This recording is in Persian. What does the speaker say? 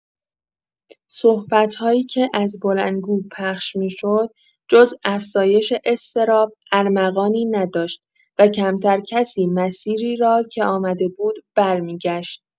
صحبت‌هایی که از بلندگو پخش می‌شد، جز افزایش اضطراب، ارمغانی نداشت و کمتر کسی مسیری را که آمده بود، برمی‌گشت.